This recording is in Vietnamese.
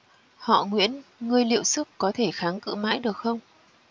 họ nguyễn ngươi liệu sức có thể kháng cự mãi được không